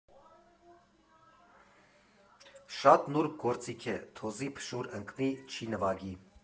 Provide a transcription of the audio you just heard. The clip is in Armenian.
Շատ նուրբ գործիք է, թոզի փշուր ընկնի, չի նվագի։